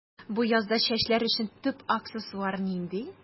Бу язда чәчләр өчен төп аксессуар нинди?